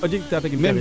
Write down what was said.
o jikit Tataguine